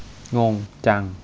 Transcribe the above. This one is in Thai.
งงจัง